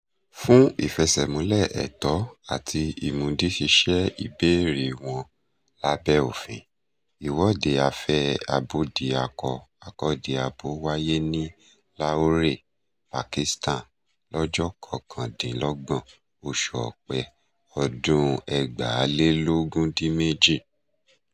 Fún ìfẹsẹ̀múlẹ̀ ẹ̀tọ́ àti imúdiṣíṣẹ ìbéèrè wọn lábẹ́ òfin, ìwọ́de Afẹ́ Abódiakọ-akọ́diabo wáyé ní Lahore, Pakistan, lọ́jọ́ 29 oṣù Ọ̀pẹ ọdún 2018.